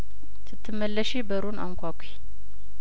ስትመለሺ በሩን አንኳኲ